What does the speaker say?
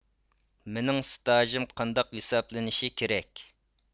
مېنىڭ سىتاژىم قانداق ھېسابلىنىشى كېرەك